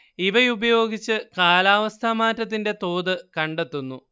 ഇവയുപയോഗിച്ച് കാലാവസ്ഥാ മാറ്റത്തിന്റെ തോത് കണ്ടെത്തുന്നു